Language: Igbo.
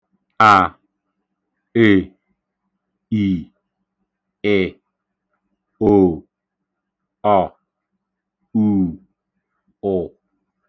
à/è/ì/ị̀/ò/ọ̀/ù/ụ̀